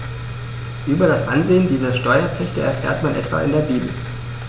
Über das Ansehen dieser Steuerpächter erfährt man etwa in der Bibel.